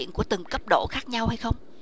cấp độ khác nhau